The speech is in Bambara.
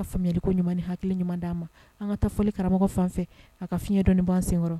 Ka faamuyarinliko ɲuman ni ha ɲuman d ma an ka taa foli karamɔgɔ fan fɛ a ka fiɲɛ dɔnniin' senkɔrɔ